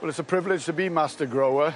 Well it's a privilege to be master grower.